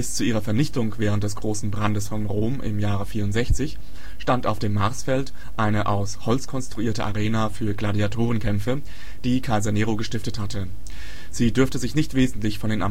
zu ihrer Vernichtung während des großen Brandes von Rom im Jahre 64 stand auf dem Marsfeld eine aus Holz konstruierte Arena für Gladiatorenkämpfe, die Kaiser Nero gestiftet hatte. Sie dürfte sich nicht wesentlich von